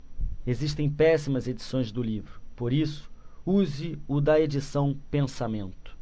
existem péssimas edições do livro por isso use o da edição pensamento